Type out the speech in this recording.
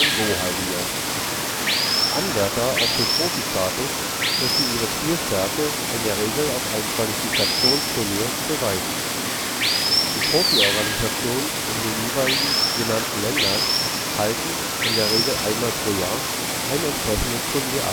Go-Heiliger “). Anwärter auf den Profi-Status müssen ihre Spielstärke in der Regel auf einem Qualifikationsturnier beweisen. Die Profi-Organisationen in den jeweils genannten Ländern halten, in der Regel einmal pro Jahr, ein entsprechendes Turnier